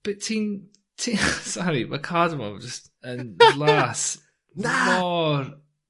by' ti'n ti'n sori ma' cardamom yn jyst yn... ...flas... Na. ...mor